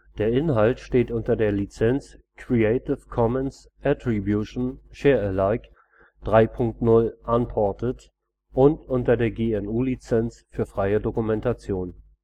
Der Inhalt steht unter der Lizenz Creative Commons Attribution Share Alike 3 Punkt 0 Unported und unter der GNU Lizenz für freie Dokumentation